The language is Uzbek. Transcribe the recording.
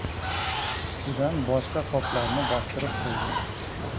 ustidan boshqa qoplarni bostirib qo'ydik